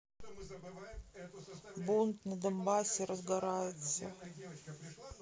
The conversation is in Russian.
бунт на донбассе разгорается